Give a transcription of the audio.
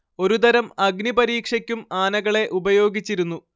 ഒരു തരം അഗ്നിപരീക്ഷയ്ക്കും ആനകളെ ഉപയോഗിച്ചിരുന്നു